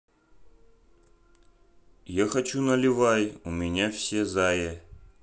я хочу наваливай у меня все зае